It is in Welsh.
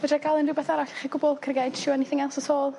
Fedrai ca'l unrywbeth arall i chi gwbwl can I get you anything else at all?